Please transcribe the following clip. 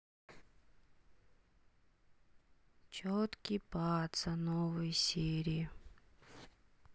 четкий паца новые серии